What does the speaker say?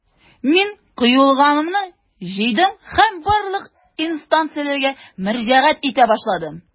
Мин кыюлыгымны җыйдым һәм барлык инстанцияләргә мөрәҗәгать итә башладым.